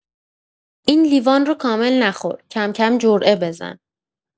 این لیوان رو کامل نخور، کم‌کم جرعه بزن.